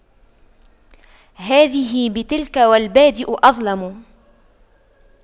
هذه بتلك والبادئ أظلم